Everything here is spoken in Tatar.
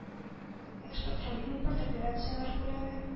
Экспорт һәм импорт операцияләр күләме